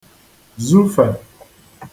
zufè